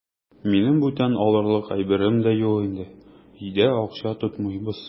Минем бүтән алырлык әйберем дә юк инде, өйдә акча тотмыйбыз.